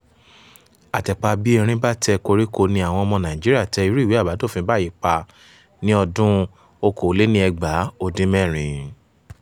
Àtẹ̀pa bí erín bá tẹ koríko ni àwọn ọmọ Nàìjíríà tẹ irú ìwé àbádòfin báyìí pa ní ọdún-un 2016.